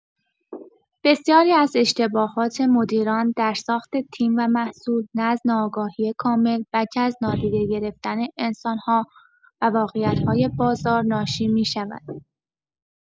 بسیاری از اشتباهات مدیران در ساخت تیم و محصول، نه از ناآگاهی کامل، بلکه از نادیده گرفتن انسان‌ها و واقعیت‌های بازار ناشی می‌شود.